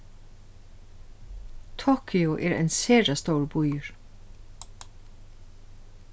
tokyo er ein sera stórur býur